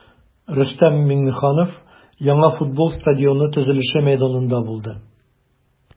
Рөстәм Миңнеханов яңа футбол стадионы төзелеше мәйданында булды.